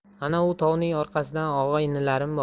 ana u tovning orqasida og'a inilarim bor